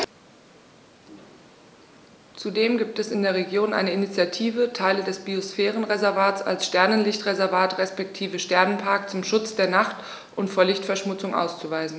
Zudem gibt es in der Region eine Initiative, Teile des Biosphärenreservats als Sternenlicht-Reservat respektive Sternenpark zum Schutz der Nacht und vor Lichtverschmutzung auszuweisen.